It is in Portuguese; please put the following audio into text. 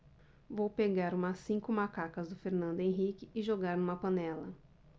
vou pegar umas cinco macacas do fernando henrique e jogar numa panela